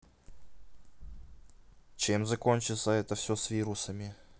чем закончится это все с вирусами